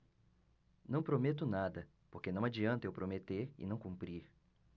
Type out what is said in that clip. não prometo nada porque não adianta eu prometer e não cumprir